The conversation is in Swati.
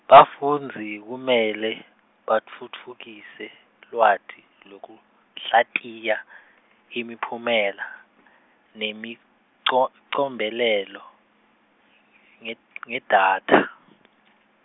bafundzi kumele, batfutfukise lwati lwekuhlatiya , imiphumela nemico- -combelelo, nged- ngedatha .